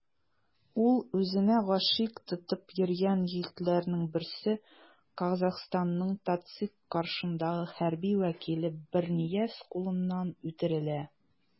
Ул үзенә гашыйк тотып йөргән егетләрнең берсе - Казахстанның ТатЦИК каршындагы хәрби вәкиле Бернияз кулыннан үтерелә.